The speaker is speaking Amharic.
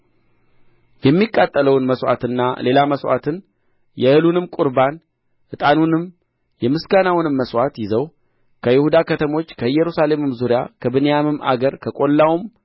የሚቃጠለው መሥዋዕትና ሌላ መሥዋዕትን የእህሉንም ቍርባን ዕጣኑንም የምስጋናውንም መሥዋዕት ይዘው ከይሁዳ ከተሞች ከኢየሩሳሌምም ዙሪያ ከብንያምም አገር ከቈላውም